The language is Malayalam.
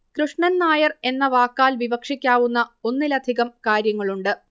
കൃഷ്ണൻ നായർ എന്ന വാക്കാൽ വിവക്ഷിക്കാവുന്ന ഒന്നിലധികം കാര്യങ്ങളുണ്ട്